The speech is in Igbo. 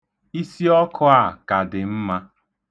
Isiọkụ a ka dị mma.